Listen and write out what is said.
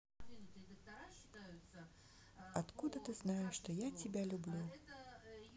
откуда ты знаешь что я тебя люблю